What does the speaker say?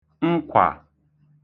nkwà